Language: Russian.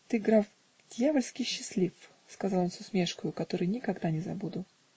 "Ты, граф, дьявольски счастлив", -- сказал он с усмешкою, которой никогда не забуду.